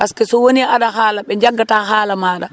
parce que